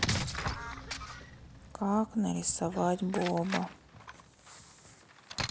как нарисовать боба